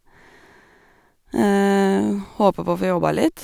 Håper på å få jobba litt.